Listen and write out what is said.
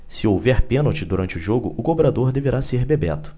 se houver pênalti durante o jogo o cobrador deverá ser bebeto